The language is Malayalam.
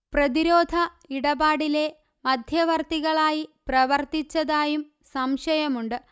പ്രതിരോധ ഇടപാടിലെ മധ്യവർത്തികളായി പ്രവർത്തിച്ചതായും സംശയമുണ്ട്